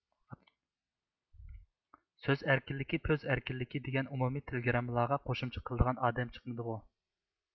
سۆز ئەركىنلىكى پۆز ئەركىنلىكى دېگەن ئومۇمىي تېلېگراممىلارغا قوشۇمچە قىلىدىغان ئادەم چىقمىدىغۇ